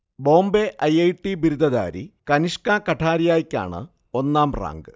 Bombay I. I. T. ബിരുദധാരി കനിഷ്ക കഠാരിയയ്ക്കാണ് ഒന്നാം റാങ്ക്